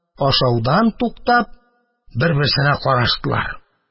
Ашаудан туктап, бер-берсенә караштылар.